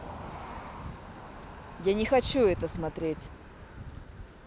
я не хочу это смотреть